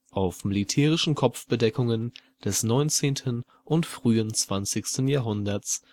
Auf militärischen Kopfbedeckungen des 19. und frühen 20. Jahrhunderts